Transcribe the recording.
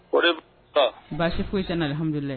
O basi foyi tɛ na alihamududulila